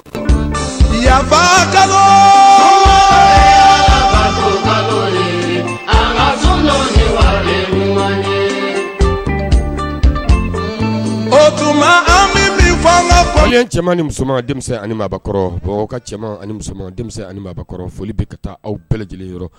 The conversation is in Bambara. Fa o tuma an min fɔ fɔ cɛman ni musoman ani mabɔkɔrɔ ka ani denmisɛnnin ani mabɔkɔrɔ foli bɛ ka taa aw bɛɛlɛ lajɛlen yɔrɔ